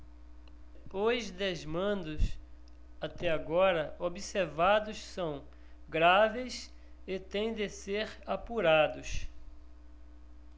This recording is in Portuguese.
os desmandos até agora observados são graves e têm de ser apurados